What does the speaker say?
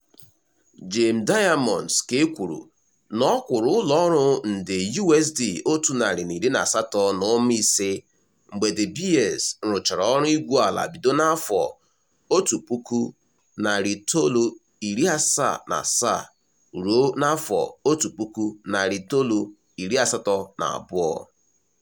Gem Diamonds ka e kwuru na ọ kwụrụ ụlọ ọrụ nde USD118.5 mgbe De Beers rụchara ọrụ igwuala bido na 1977 ruo 1982.